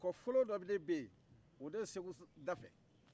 kɔfolo dɔ de bɛ yen o de bɛ segu da fɛ